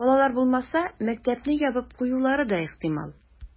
Балалар булмаса, мәктәпне ябып куюлары да ихтимал.